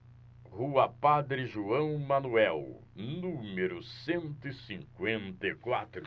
rua padre joão manuel número cento e cinquenta e quatro